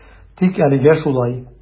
Тик әлегә шулай.